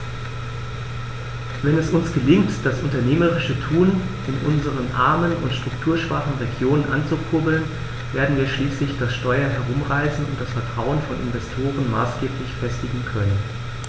Wenn es uns gelingt, das unternehmerische Tun in unseren armen und strukturschwachen Regionen anzukurbeln, werden wir schließlich das Steuer herumreißen und das Vertrauen von Investoren maßgeblich festigen können.